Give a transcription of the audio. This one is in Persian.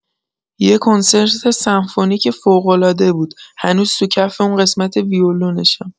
یه کنسرت سمفونیک فوق‌العاده بود، هنوز تو کف اون قسمت ویولنشم!